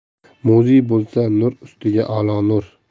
muzey bo'lsa nur ustiga alo nur